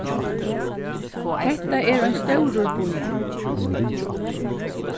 hetta er ein stórur býur